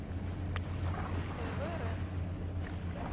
тв рен